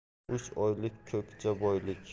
uch oylik ko'kcha boylik